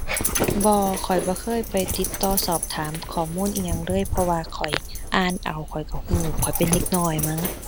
บ่ ข้อยบ่เคยไปติดต่อสอบถามข้อมูลอิหยังเลย เพราะว่าข้อยอ่านเอา ข้อยก็ก็ ข้อยเป็นเด็กน้อยมั้ง